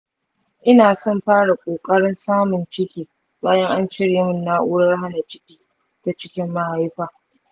ina son fara ƙoƙarin samun ciki bayan an cire min na’urar hana ciki ta cikin mahaifa.